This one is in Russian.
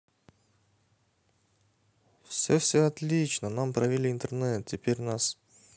все все отлично нам провели интернет теперь нас